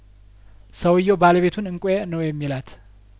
ሰውዬው ባለቤቱን እንቋ ነው የሚላት